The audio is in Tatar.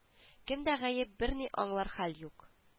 Кемдә гаеп берни аңлар хәл юк